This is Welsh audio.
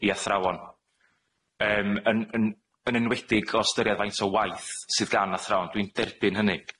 i athrawon, yym yn yn yn enwedig o ystyried faint o waith sydd gan athrawon. Dwi'n derbyn hynny.